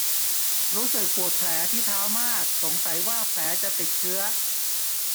รู้สึกปวดแผลที่เท้ามากสงสัยว่าแผลจะติดเชื้อ